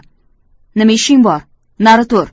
nima ishing bor nari tur